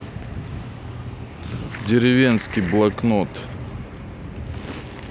деревенский блокнот